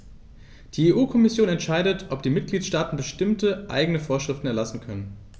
Die EU-Kommission entscheidet, ob die Mitgliedstaaten bestimmte eigene Vorschriften erlassen können.